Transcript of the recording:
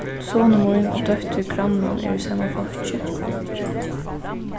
sonur mín og dóttir grannan eru í sama flokki